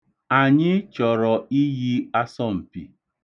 Anyị chọrọ iyi asọmpi.